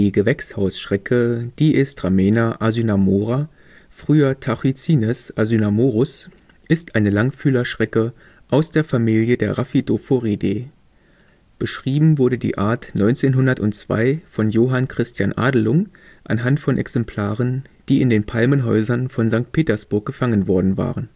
Gewächshausschrecke (Diestrammena asynamora; früher Tachycines asynamorus) ist eine Langfühlerschrecke aus der Familie der Rhaphidophoridae. Beschrieben wurde die Art 1902 durch Johann Christian Adelung anhand von Exemplaren, die in den Palmenhäusern von St. Petersburg gefangen worden waren